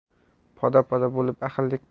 poda poda bo'lib ahillik